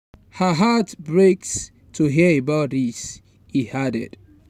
"Our heart breaks to hear about this," he added.